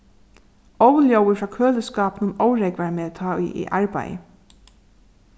óljóðið frá køliskápinum órógvar meg tá ið eg arbeiði